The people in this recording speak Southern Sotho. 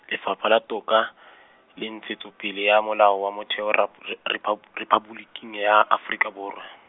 Lefapha la Toka, le Ntshetsopele ya Molao wa Motheo Rap-, re- Rephab-, Rephaboliking ya Afrika Borwa.